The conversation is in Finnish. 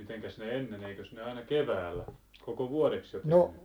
mutta mitenkäs ne ennen eikös ne aina keväällä koko vuodeksi jo tehnyt